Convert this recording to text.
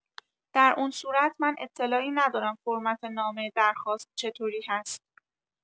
در اون صورت من اطلاعی ندارم فرمت نامه درخواست چطوری هست.